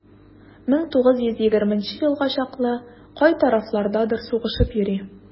1920 елга чаклы кай тарафлардадыр сугышып йөри.